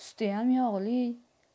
sutiyam yog'li